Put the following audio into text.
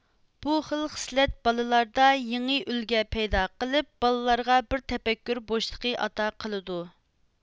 بۇ خىل خىسلەت بالىلاردا يېڭى ئۈلگە پەيدا قىلىپ بالىلارغا بىر تەپەككۇر بوشلۇقىنى ئاتا قىلىدۇ